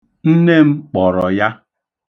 Nne m kpọrọ ya.